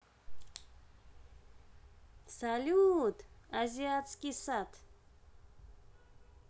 салют азиатский сад